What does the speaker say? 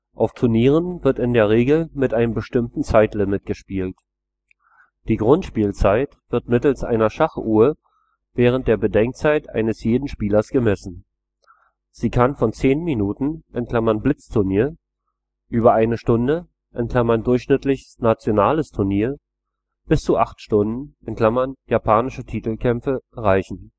Auf Turnieren wird in der Regel mit einem bestimmten Zeitlimit gespielt. Die Grundspielzeit wird mittels einer Schachuhr während der Bedenkzeit eines jeden Spielers gemessen. Sie kann von 10 Minuten (Blitzturnier) über 1 Stunde (durchschnittliches nationales Turnier) bis zu 8 Stunden (japanische Titelkämpfe) reichen